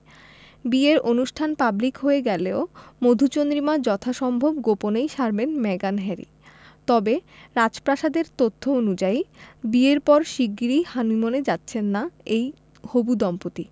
বিয়ের অনুষ্ঠান পাবলিক হয়ে গেলেও মধুচন্দ্রিমা যথাসম্ভব গোপনেই সারবেন মেগান হ্যারি তবে রাজপ্রাসাদের তথ্য অনুযায়ী বিয়ের পর শিগগিরই হানিমুনে যাচ্ছেন না এই হবু দম্পতি